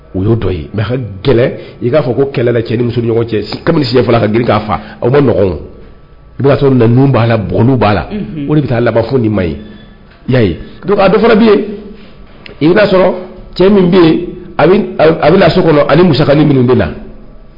O y' ye mɛ kɛlɛ i'a fɔ ko kɛlɛ cɛ ni ɲɔgɔn cɛ kabini ka g' faa aw bɛ b'a la b'a la o de bɛ taa labanfo ni maa dɔ fana bɛ yen i'a sɔrɔ cɛ min bɛ yen a bɛ so kɔnɔ ani mu minnu bɛ la